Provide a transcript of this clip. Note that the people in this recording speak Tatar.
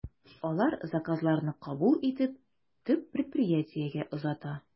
Алар заказларны кабул итеп, төп предприятиегә озата.